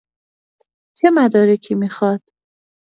چه مدارکی میخاد؟